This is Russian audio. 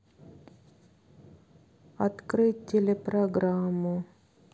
открыть телепрограмму